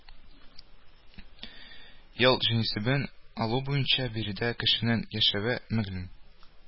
Ел җанисәбен алу буенча биредә кешенең яшәве мәгълүм